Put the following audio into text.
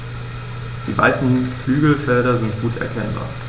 Die weißen Flügelfelder sind gut erkennbar.